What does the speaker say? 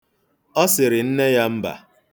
Ọ sịrị nne ya mba.